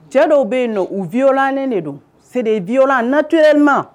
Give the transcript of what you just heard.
Cɛ dɔw bɛ yen nɔ u vylanen de don se viyla nato nin ma